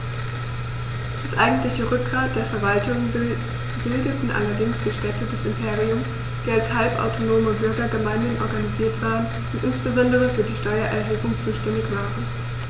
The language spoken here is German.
Das eigentliche Rückgrat der Verwaltung bildeten allerdings die Städte des Imperiums, die als halbautonome Bürgergemeinden organisiert waren und insbesondere für die Steuererhebung zuständig waren.